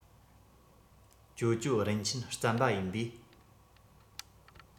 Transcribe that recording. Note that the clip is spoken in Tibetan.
ཇོ ཇོ རིན ཆེན རྩམ པ ཡིན པས